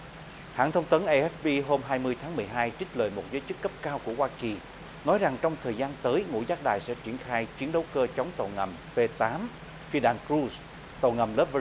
hãng thông tấn a ép pi hôm hai mươi tháng mười hai trích lời một giới chức cấp cao của hoa kỳ nói rằng trong thời gian tới ngũ giác đài sẽ triển khai chiến đấu cơ chống tàu ngầm pê tám phi đan cơ ru tàu ngầm lớp vờ